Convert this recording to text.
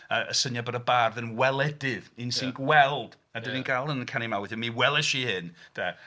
Y syniad bod y bardd yn weledydd un sy'n gweld, a dan ni'n cael hwn yn canu 'ma; ''mi welish i hyn'', 'de.